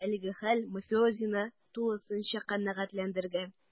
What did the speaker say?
Әлеге хәл мафиозины тулысынча канәгатьләндергән: